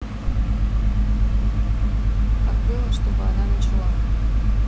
как было чтобы она начала